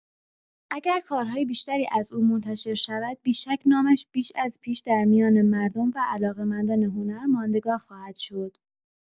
اگر کارهای بیشتری از او منتشر شود، بی‌شک نامش بیش از پیش در میان مردم و علاقه‌مندان هنر ماندگار خواهد شد.